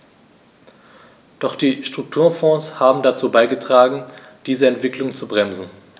Doch die Strukturfonds haben dazu beigetragen, diese Entwicklung zu bremsen.